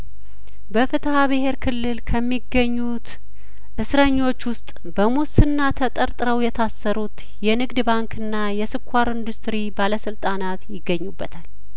በፍትሀ ብሄር ክልል ከሚገኙት እስረኞች ውስጥ በሙስና ተጠርጥረው የታሰሩት የንግድ ባንክና የስኳር ኢንዱስትሪ ባለስልጣናት ይገኙበታል